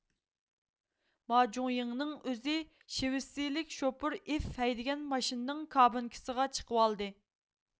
ماجۇڭيىڭنىڭ ئۆزى شىۋېتسىيىلىك شوپۇر ئىف ھەيدىگەن ماشىنىنىڭ كابىنكىسىغا چىقىۋالدى